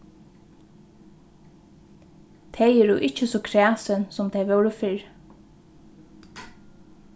tey eru ikki so kræsin sum tey vóru fyrr